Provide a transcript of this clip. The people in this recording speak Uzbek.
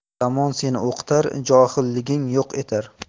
zamon seni o'qitar johilliging yo'q etar